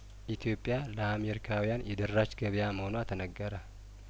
ኢትዮጵያለ አሜሪካውያን የደራች ገበያ መሆኗ ተነገረ